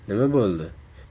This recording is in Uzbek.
nima bo'ldi